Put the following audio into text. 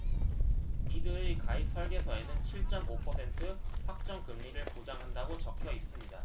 이들의 가입설계서에는 칠 쩜 오 퍼센트 확정 금리를 보장한다고 적혀있습니다